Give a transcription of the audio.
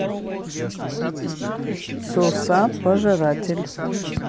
coca пожиратель